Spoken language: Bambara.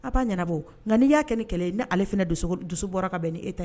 A b'a ɲɛnabɔ nka n'i y'a kɛ kɛlɛ ni ale dusu bɔra ka bɛn nin ne e ta